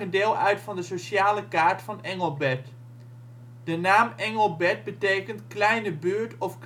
deel uit van de sociale kaart van Engelbert. De naam Engelbert betekent kleine buurt of